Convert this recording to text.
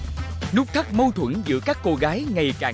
nút thắt mâu thuẫn giữa các cô gái ngày càng